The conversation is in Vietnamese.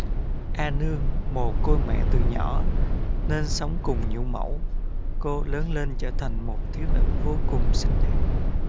a nương mồ côi mẹ từ nhỏ nên sống cùng nhũ mẫu cô lớn lên trở thành một thiếu nữ vô cùng xinh đẹp